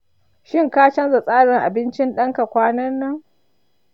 shin ka canza tsarin abincin ɗan ka kwanan nan?